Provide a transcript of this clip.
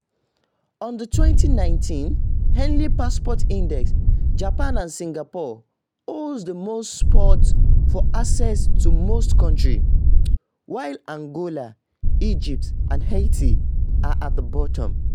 On the 2019 Henley Passport Index, Japan and Singapore hold the top spot for access to most countries, while Angola, Egypt and Haiti are at the bottom.